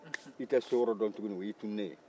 i tɛ so yɔrɔ dɔn tun o y'e tununnen ye